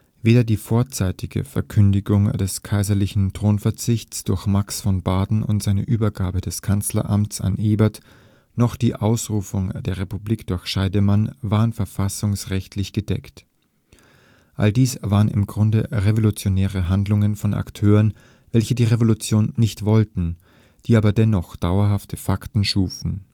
Weder die vorzeitige Verkündung des kaiserlichen Thronverzichts durch Max von Baden und seine Übergabe des Kanzleramts an Ebert noch die Ausrufung der Republik durch Scheidemann waren verfassungsrechtlich gedeckt. All dies waren im Grunde revolutionäre Handlungen von Akteuren, welche die Revolution nicht wollten, die aber dennoch dauerhafte Fakten schufen